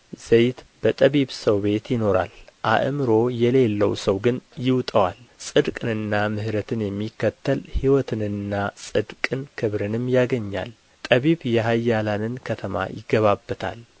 ዘይት በጠቢብ ሰው ቤት ይኖራል አእምሮ የሌለው ሰው ግን ይውጠዋል ጽድቅንና ምሕረትን የሚከተል ሕይወትንና ጽድቅን ክብርንም ያገኛል ጠቢብ የኃያላንን ከተማ ይገባባታል